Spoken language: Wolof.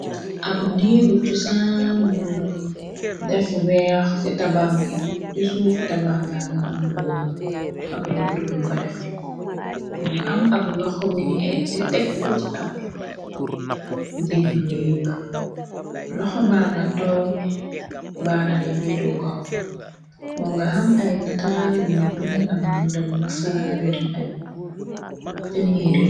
ab neegu cosaan buñu def weex ci tabaxge ci suufu tabaxga nga am bulu ab roddi buñ fa def moo nga am ab loxo buñu etti tek ko ci ab dig niig loxo ba nga toogi baaran ya fiitu kaw moo nga xam ay nataal yinu bind ab mbundem nasaraan yiñu aj ca miir yi